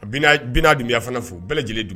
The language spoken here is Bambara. A bin dunya fana fo bɛɛ lajɛlen dugu